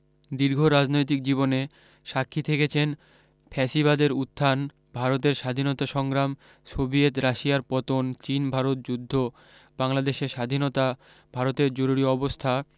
দীর্ঘ রাজনৈতিক জীবনে সাক্ষী থেকেছেন ফ্যাসিবাদের উত্থান ভারতের স্বাধীনতা সংগ্রাম সোভিয়েত রাশিয়ার পতন চীন ভারত যুদ্ধ বাংলাদেশের স্বাধীনতা ভারতের জরুরি অবস্থা